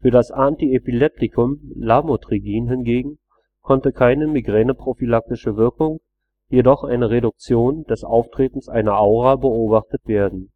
Für das Antiepileptikum Lamotrigin hingegen konnte keine migräneprophylaktische Wirkung, jedoch eine Reduktion des Auftretens einer Aura beobachtet werden.